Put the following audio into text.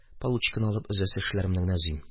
Получканы алып, өзәсе эшләремне генә өзим.